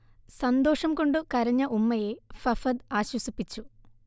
സന്തോഷം കൊണ്ടു കരഞ്ഞ ഉമ്മയെ ഫഫദ് ആശ്വസിപ്പിച്ചു